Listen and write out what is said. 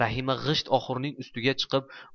rahima g'isht oxurning ustiga chiqib